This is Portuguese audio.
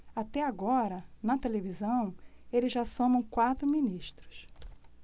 até agora na televisão eles já somam quatro ministros